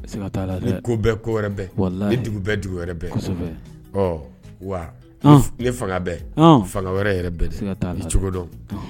Siga t'a la dɛ, ni ko bɛ ko wɛrɛ bɛ, walahi, ni dugu bɛ dugu wɛrɛ bɛ, kosɛbɛ, ɔ wa ni fanga bɛ, ɔn, fanga wɛrɛ bɛ dɛ, siga t'a la, i cogo dɔn